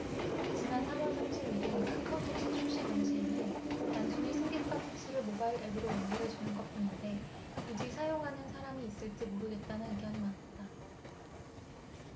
지난 삼 월 삼십 일 일 카카오택시 출시 당시에는 단순히 승객과 택시를 모바일 앱으로 연결해주는 것뿐인데 굳이 사용하는 사람이 있을지 모르겠다는 의견이 많았다